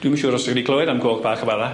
Dwi'm yn siŵr os ti wedi clywed am goch bach y Bala.